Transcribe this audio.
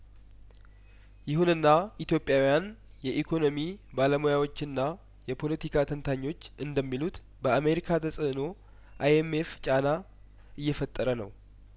ይሁንና ኢትዮጵያውያን የኢኮኖሚ ባለሙያዎችና የፖለቲካ ተንታኞች እንደሚሉት በአሜሪካ ተጽእኖ አይኤምኤፍ ጫና እይፈጠረ ነው